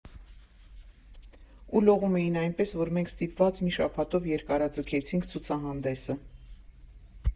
Ու լողում էին այնպես, որ մենք ստիպված մի շաբաթով երկարաձգեցինք ցուցահանդեսը.